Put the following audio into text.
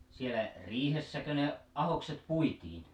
siellä riihessäkö ne ahdokset puitiin